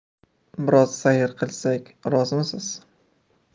biroz sayr qilsak rozimisiz